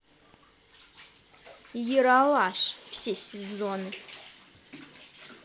ералаш все сезоны